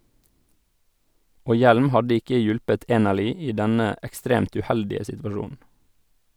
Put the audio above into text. Og hjelm hadde ikke hjulpet Enerly i denne ekstremt uheldige situasjonen.